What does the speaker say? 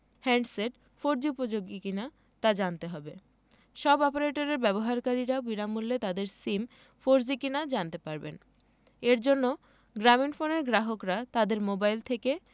handset four G উপযোগী কিনা তা জানতে হবে সব অপারেটরের ব্যবহারকারীরা বিনামূল্যে তাদের সিম ফোরজি কিনা জানতে পারবেন এ জন্য গ্রামীণফোনের গ্রাহকরা তাদের মোবাইল থেকে